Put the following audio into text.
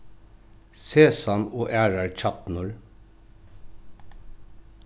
sesam og aðrar kjarnur